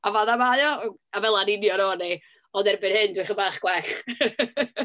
A fan'na mae o, a fela yn union o'n i. Ond erbyn hyn dwi chydig bach gwell.